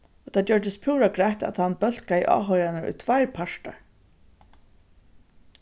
og tað gjørdist púra greitt at hann bólkaði áhoyrararnar í tveir partar